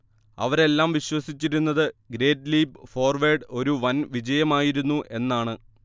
അവരെല്ലാം വിശ്വസിച്ചിരുന്നത് great leap forward ഒരു വൻ വിജയമായിരുന്നു എന്നാണ്